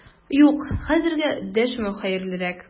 Юк, хәзергә дәшмәү хәерлерәк!